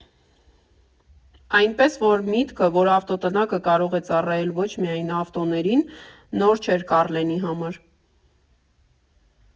Այնպես որ՝ միտքը, որ ավտոտնակը կարող է ծառայել ոչ միայն ավտոներին, նոր չէր Կառլենի համար։